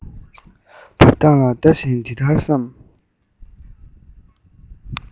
འབབ སྟངས ལ ལྟ བཞིན འདི ལྟར བསམ